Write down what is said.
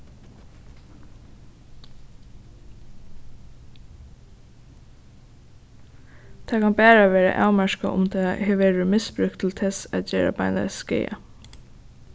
tað kann bara verða avmarkað um tað verður misbrúkt til tess at gera beinleiðis skaða